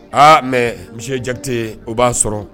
Aa mais monsieur Jakite o b'a sɔrɔ